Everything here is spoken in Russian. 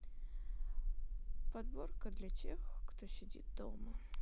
подборка для тех кто сидит дома